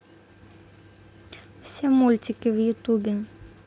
все мультики в ютубе